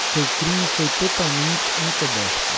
seu crime foi totalmente encoberto